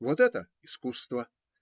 Вот это - искусство!